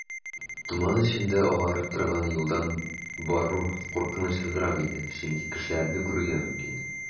Томан эчендә агарып торган юлдан бару куркынычсызрак иде, чөнки кешеләрне күрергә мөмкин.